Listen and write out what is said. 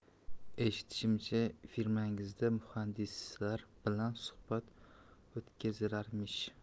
eshitishimcha firmangizda muhandislar bilan suhbat o'tkazilarmish